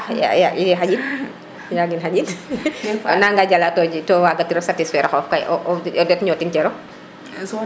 ye xaƴin yen xaƴin o nanga jega to waga tiro satisfaire xoxof kay o ret ñotin cerof